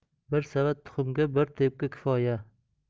bir savat tuxumga bir tepki kifoya